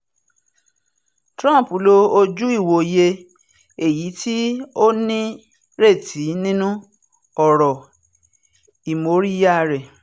Trump lo ojú ìwòye èyití ó nírètí nínú ọ̀rọ̀ ìmóríyá rẹ̀.